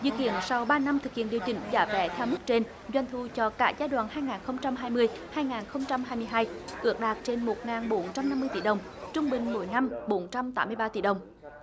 dự kiến sau ba năm thực hiện điều chỉnh giá vé theo mức trên doanh thu cho cả giai đoạn hai ngàn không trăm hai mươi hai ngàn không trăm hai mươi hai ước đạt trên một ngàn bốn trăm năm mươi tỷ đồng trung bình mỗi năm bốn trăm tám mươi ba tỷ đồng